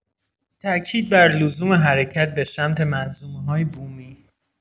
تأکید بر لزوم حرکت به سمت منظومه‌های بومی